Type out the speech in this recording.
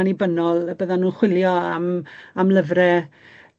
annibynnol y bydda nw'n chwilio am am lyfre